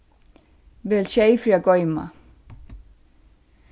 vel sjey fyri at goyma